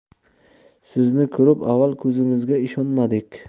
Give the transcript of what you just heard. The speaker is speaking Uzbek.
sizni ko'rib avval ko'zimizga ishonmadik